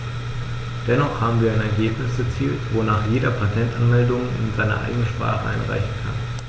Dennoch haben wir ein Ergebnis erzielt, wonach jeder Patentanmeldungen in seiner eigenen Sprache einreichen kann.